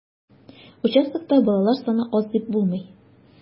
Участокта балалар саны аз дип булмый.